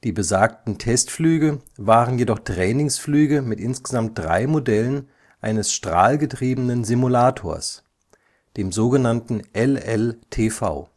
besagten Testflüge waren jedoch Trainingsflüge mit insgesamt drei Modellen eines strahlgetriebenen Simulators: dem LLTV